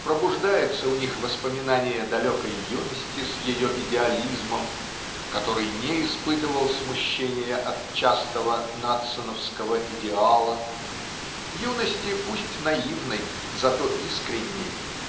пробуждается у них воспоминание далекой юности с ее идеализмом (который не испытывал смущения от частого надсоновского "идеала") юности пусть наивной зато искренней